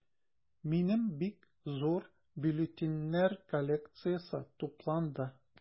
Минем бик зур бюллетеньнәр коллекциясе тупланды.